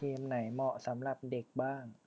เกมไหนเหมาะสำหรับเด็กบ้าง